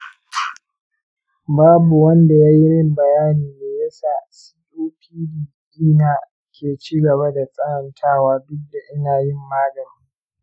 babu wanda yayi min bayanin me ya sa copd ɗina ke ci gaba da tsananta duk da ina yin magani.